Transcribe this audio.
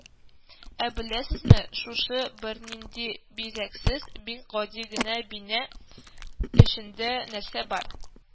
Ә беләсезме, шушы бернинди бизәксез, бик гади генә бина эчендә нәрсә бар